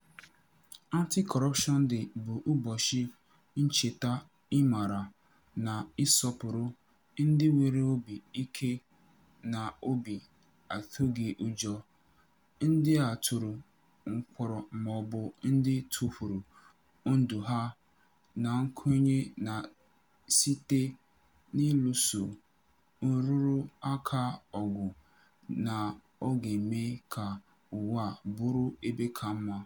Anti-Corruption Day bụ ụbọchị ncheta, ịmara na ịsopụrụ ndị nwere obi ike na obi atụghị ụjọ, ndị a tụrụ mkpọrọ maọbụ ndị tufuru ndụ ha na nkwenye na site n'iluso nrụrụaka ọgụ, na ọ ga-eme ka ụwa bụrụ ebe ka mma.